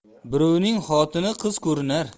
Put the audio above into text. birovning xotini qiz ko'rinar